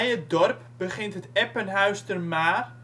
het dorp begint het Eppenhuistermaar